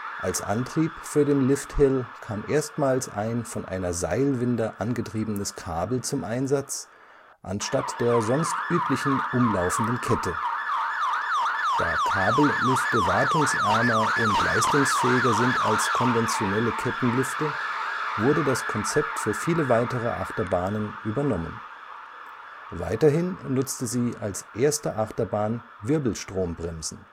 Als Antrieb für den Lifthill kam erstmals ein von einer Seilwinde angetriebenes Kabel zum Einsatz, anstatt der sonst üblichen umlaufenden Kette. Da Kabellifte wartungsärmer und leistungsfähiger sind als konventionelle Kettenlifte, wurde das Konzept für viele weitere Achterbahnen übernommen. Weiterhin nutzte sie als erste Achterbahn Wirbelstrombremsen